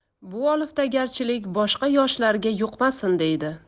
bu oliftagarchilik boshqa yoshlarga yuqmasin deydi